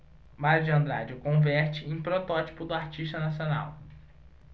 mário de andrade o converte em protótipo do artista nacional